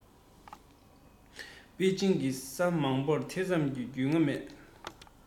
པེ ཅིང གི ས མང པོར དེ ཙམ གྱི རྒྱུས མངའ མེད